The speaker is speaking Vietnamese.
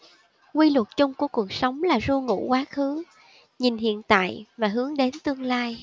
quy luật chung của cuộc sống là ru ngủ quá khứ nhìn hiện tại và hướng đến tương lai